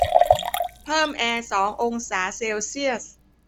เพิ่มแอร์สององศาเซลเซียส